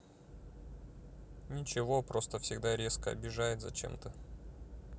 ничего просто всегда резко обижает зачем то